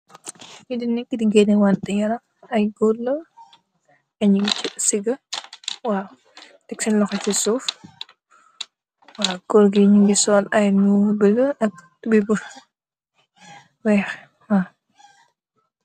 Fi neka di genewanteh ay goor la nyugi sega waw teck sen loxo si suuf waw goor gi mogi sol ay mbuba bu bulo ak tubai bu weex waw.